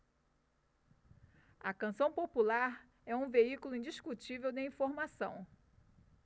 a canção popular é um veículo indiscutível de informação